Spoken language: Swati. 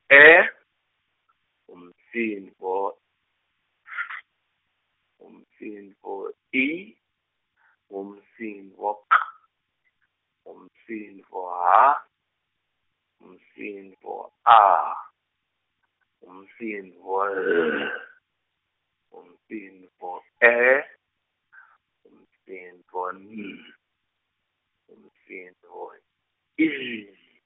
E, umsindvo , umsindvo I, umsindvo K, umsindvo H, umsindvo A, umsindvo L, umsindvo E , umsindvo N, umsindvo I.